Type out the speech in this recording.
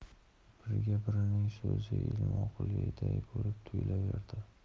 biriga birining so'zi ilmoqliday bo'lib tuyulaverdi